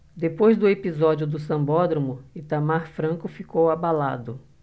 depois do episódio do sambódromo itamar franco ficou abalado